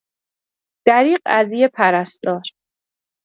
دریغ از یه پرستار